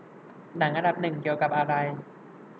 หนังอันดับหนึ่งเกี่ยวกับอะไร